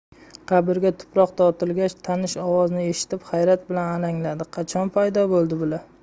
qabrga tuproq tortilgach tanish ovozni eshitib hayrat bilan alangladi qachon paydo bo'ldi bular